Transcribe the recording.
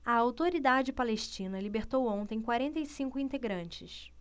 a autoridade palestina libertou ontem quarenta e cinco integrantes